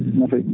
noon kay